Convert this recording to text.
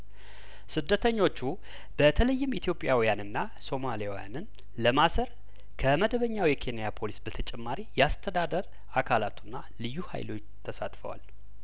ስደተኞቹ በተለይም ኢትዮጵያውያንንና ሶማሌያውያንን ለማሰር ከመደበኛው የኬንያፖሊስ በተጨማሪ የአስተዳደር አካላቱና ልዩ ሀይሎች ተሳትፈዋል